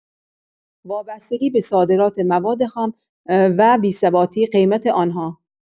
وابستگی به صادرات مواد خام و بی‌ثباتی قیمت آن‌ها